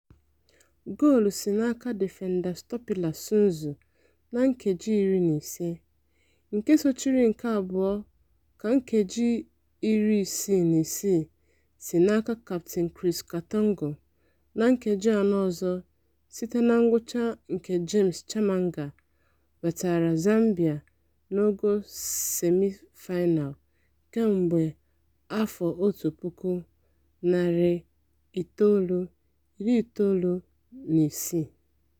Goolu si n'aka difenda Stopilla Sunzu na nkeji iri na ise, nke sochiri nke abụọ ka nkeji 66 si n'aka Captain Chris Katongo na nkeji anọ ọzọ site na ngwụcha nke James Chamanga, wetaara Zambia n'ogo semi-final kemgbe 1996.